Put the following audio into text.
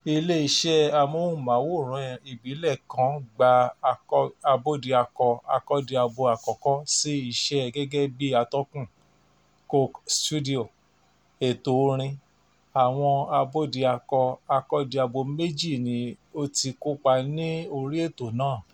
Ilé iṣẹ́ amóhùnmáwòrán ìbílẹ̀ kan gba Abódiakọ-akọ́diabo àkọ́kọ́ sí iṣẹ́ gẹ́gẹ́ bí atọ́kùn; Coke Studio, ètò orin, àwọn Abódiakọ-akọ́diabo méjì ni ó ti kópa ní orí ètò náà.